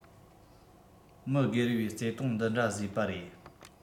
མི སྒེར བའི བརྩེ དུང འདི འདྲ བཟོས པ རེད